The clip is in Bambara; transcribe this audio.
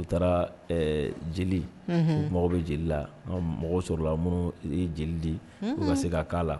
U taara joli o tun mako bɛ joli la mɔgɔw sɔrɔla minnu ye joli di u man se ka